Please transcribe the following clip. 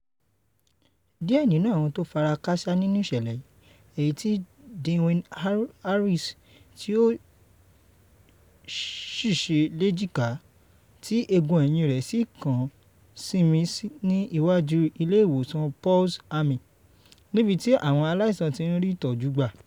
Díẹ̀ nínú àwọn tó fara káṣá nínú ìṣẹ̀lẹ̀ yìí, èyí tí Dwi Harris tí ó ṣìṣe léjìká ,tí egun ẹ̀yìn rẹ̀ sì kán sinmi ní iwájú ilé ìwòsàn Palu's Army, níbi tí àwọn aláìsàn ti ń rí ìtọ́jú gbà.